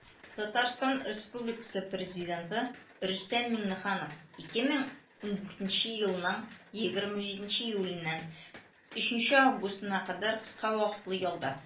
Татарстан Республикасы Президенты Рөстәм Миңнеханов 2014 елның 27 июленнән 3 августына кадәр кыска вакытлы ялда.